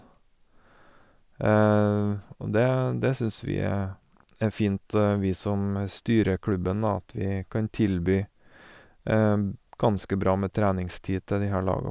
Og det det syns vi er er fint, vi som styrer klubben, da, at vi kan tilby ganske bra med treningstid til de her laga.